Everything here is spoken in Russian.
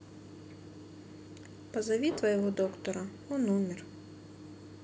позови твоего доктора он умер